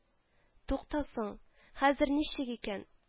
Тукта соң, хәзер ничек икән